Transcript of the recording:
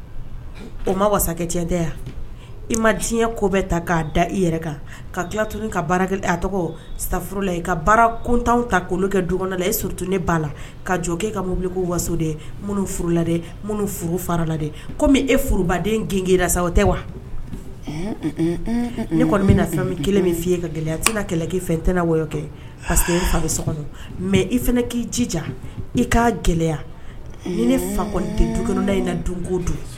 O ma i ma diɲɛ ko bɛ ta' da i yɛrɛ tɔgɔ kuntan ta kɛ ne ba la ka jɔ ka mobili waso minnu furu la furu fara la komi e furubaden g la sa o tɛ wa ne kɔni bɛna fɛn min kelen min f' i ka gɛlɛya a tɛna kɛlɛ fɛn tɛyɔ kɛ so kɔnɔ mɛ i fana k'i jija i' gɛlɛya ni ne fakɔ du kelen inko don